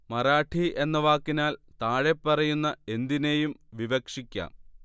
മറാഠി എന്ന വാക്കിനാൽ താഴെപ്പറയുന്ന എന്തിനേയും വിവക്ഷിക്കാം